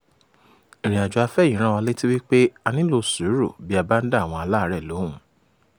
Ìrìnàjò afẹ́ yìí rán wa létí wípé a nílòo sùúrù bí a bá ń dá àwọn aláàárẹ̀ lóhùn.